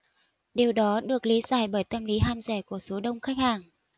điều đó được lý giải bởi tâm lý ham rẻ của số đông khách hàng